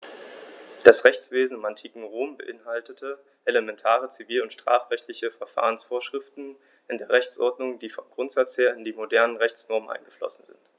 Das Rechtswesen im antiken Rom beinhaltete elementare zivil- und strafrechtliche Verfahrensvorschriften in der Rechtsordnung, die vom Grundsatz her in die modernen Rechtsnormen eingeflossen sind.